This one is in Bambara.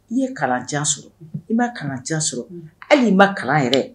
I ye kalanjan sɔrɔ i ma kalanjan sɔrɔ hali' ma kalan yɛrɛ